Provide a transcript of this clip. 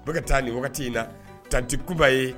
U ka taa nin wagati in na tan tɛ kuba ye